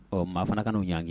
Ɔ maa fana ka y'an kɛ